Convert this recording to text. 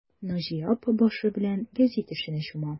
Наҗия апа башы белән гәзит эшенә чума.